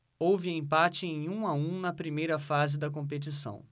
houve empate em um a um na primeira fase da competição